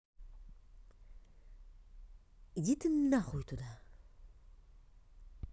иди ты нахуй туда